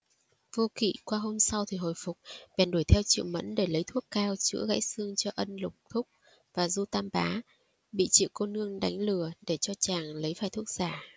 vô kỵ qua hôm sau thì hồi phục bèn đuổi theo triệu mẫn để lấy thuốc cao chữa gãy xương cho ân lục thúc và du tam bá bị triệu cô nương đánh lừa để cho chàng lấy phải thuốc giả